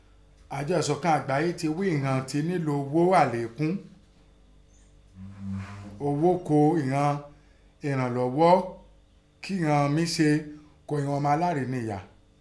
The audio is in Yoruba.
Àjọ èṣọ̀kan àgbáyé tẹ ghí i ighọ́n tì nílò àlékún oghó ún ìghọn ẹrànghọ́ kí ghọ́n mí se ún ìghọn ọmọ alárìníyàá.